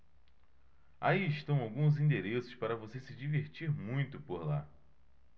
aí estão alguns endereços para você se divertir muito por lá